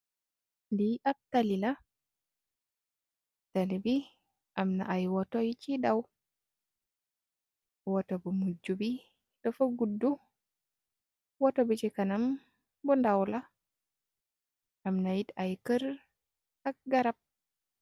Bii ahbb tali la, tali bii amna aiiy woortoh yu chi daw, woortoh bu muji bii dafa gudu, woortoh bii chi kanam bu ndaw la, amna yit aiiy keurr ak garab.